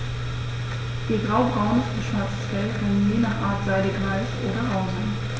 Ihr graubraunes bis schwarzes Fell kann je nach Art seidig-weich oder rau sein.